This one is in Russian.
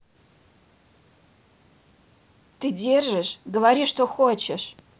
ты держишь говори что хочешь